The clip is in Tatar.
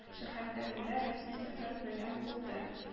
Шәһәрләрендә рәсми сәфәр белән булды